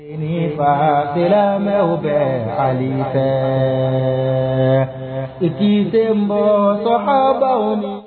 Miniyan faw bɛ halili fɛ jigi den bɔban